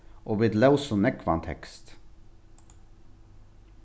og vit lósu nógvan tekst